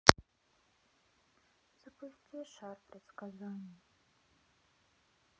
запусти шар предсказаний